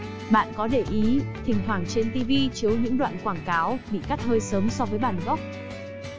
bạn có để ý thỉnh thoảng trên tv chiếu những đoạn quảng cáo bị cắt hơi sớm so với bản gốc